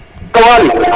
alo Waly